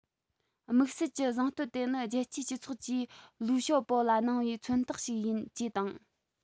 དམིགས བསལ གྱི གཟེངས བསྟོད དེ ནི རྒྱལ སྤྱིའི སྤྱི ཚོགས ཀྱིས ལིའུ ཞའོ པོ ལ གནང བའི མཚོན རྟགས ཤིག ཡིན ཅེས དང